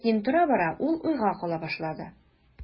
Ләкин тора-бара ул уйга кала башлады.